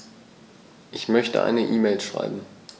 Ich möchte eine E-Mail schreiben.